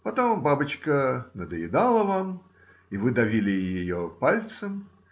потом бабочка надоедала вам, и вы давили ее пальцем.